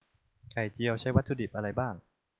ไข่เจียวใช้วัตถุดิบอะไรบ้าง